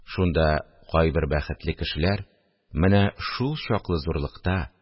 Шунда кайбер бәхетле кешеләр менә шулчаклы зурлыкта,